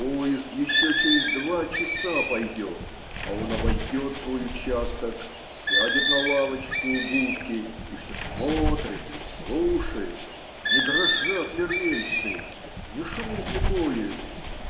поезд еще через два часа пойдет, а он обойдет свой участок, сядет на лавочку у будки и все смотрит и слушает, не дрожат ли рельсы, не шумит ли поезд.